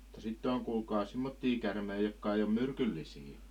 mutta sitten on kuulkaa semmoisia käärmeitä jotka ei ole - myrkyllisiä